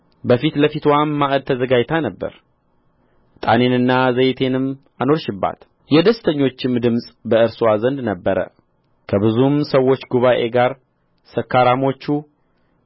በፊት ለፊትዋም ማዕድ ተዘጋጅታ ነበር ዕጣኔንና ዘይቴንም አኖርሽባት የደስተኞችም ድምፅ በእርስዋ ዘንድ ነበረ ከብዙም ሰዎች ጉባኤ ጋር ሰካራሞቹ